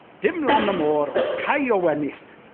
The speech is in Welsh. Dim lan y môr, ond cau o wenith.